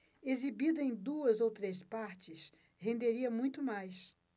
exibida em duas ou três partes renderia muito mais